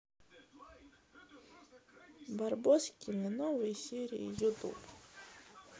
барбоскины новые серии ютуб